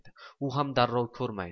u ham darrov ko'rmaydi